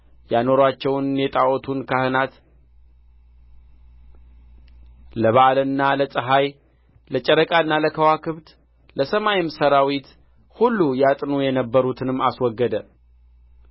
ያኖሩአቸውን የጣዖቱን ካህናት ለበኣልና ለፀሐይ ለጨረቃና ለከዋክብት ለሰማይም ሠራዊት ሁሉ ያጥኑ የነበሩትንም አስወገደ